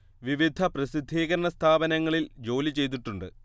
വിവിധ പ്രസിദ്ധീകരണ സ്ഥാപനങ്ങളിൽ ജോലി ചെയ്തിട്ടുണ്ട്